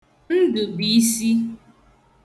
Ndụ bụ isi.